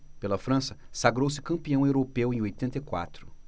pela frança sagrou-se campeão europeu em oitenta e quatro